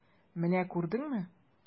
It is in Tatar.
Менә күрдеңме!